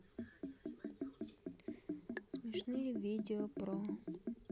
смешные видео про